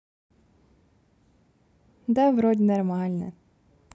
да вроде нормально